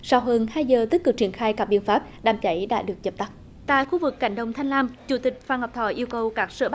sau hơn hai giờ tích cực triển khai các biện pháp đám cháy đã được dập tắt tại khu vực cánh đồng thanh lam chủ tịch phan ngọc thọ yêu cầu các sở